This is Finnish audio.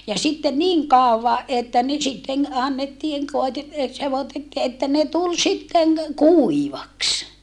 ja sitten niin kauan että ne sitten annettiin -- sekoitettiin että ne tuli sitten kuivaksi